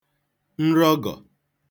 nrọgọ̀